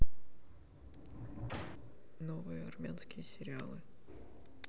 новые армянские сериалы